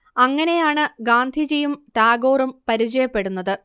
അങ്ങനെയാണ് ഗാന്ധിജിയും ടാഗോറും പരിചയപ്പെടുന്നത്